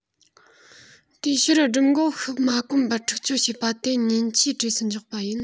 དེའི ཕྱིར སྦྲུམ འགོག ཤུབས མ བསྐོན པར འཁྲིག སྦྱོར བྱེད པ དེ ཉེན ཆེའི གྲས སུ འཇོག པ ཡིན